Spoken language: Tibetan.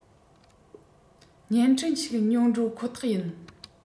བརྙན འཕྲིན ཞིག ཉོ འགྲོ ཁོ ཐག ཡིན